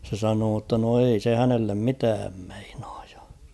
se sanoi jotta no ei se hänelle mitään meinaa ja